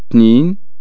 تنين